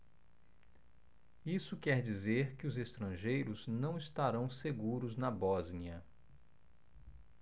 isso quer dizer que os estrangeiros não estarão seguros na bósnia